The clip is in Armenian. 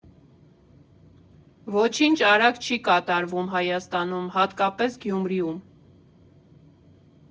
Ոչինչ արագ չի կատարվում Հայաստանում, հատկապես Գյումրիում։